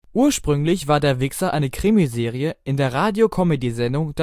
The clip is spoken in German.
Ursprünglich war „ Der Wixxer “eine „ Krimiserie “in der Radio-Comedysendung